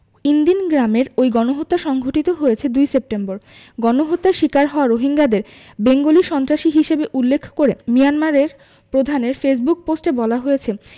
Inn Din গ্রামের ওই গণহত্যা সংঘটিত হয়েছে গত ২ সেপ্টেম্বর গণহত্যার শিকার হওয়া রোহিঙ্গাদের বেঙ্গলি সন্ত্রাসী হিসেবে উল্লেখ করে মিয়ানমারের প্রধানের ফেসবুক পোস্টে বলা হয়েছে